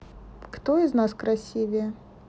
кто из нас красивее